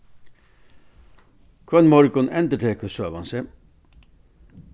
hvønn morgun endurtekur søgan seg